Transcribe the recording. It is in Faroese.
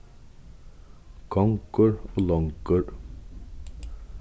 kongur og longur